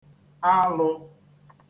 alụ̄